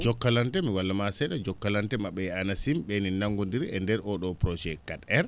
Jokalante mi walluma see?a Jokalante ma??e e ANACIM ?e no nannggonndiri e ndeer oo ?oo projet 4R